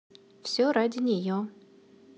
все ради нее